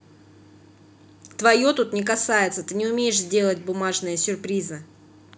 твое тут не касается ты не умеешь сделать бумажные сюрпризы